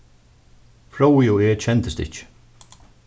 fróði og eg kendust ikki